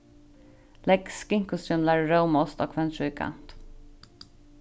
legg skinkustrimlar og rómaost á hvønn tríkant